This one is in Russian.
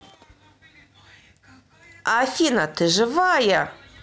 афина ты живая